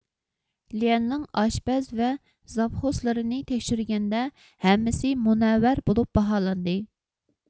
ليەننىڭ ئاشپەز ۋە زاپغوسلىرىنى تەكشۈرگەندە ھەممىسى مۇنەۋۋەر بولۇپ باھالاندى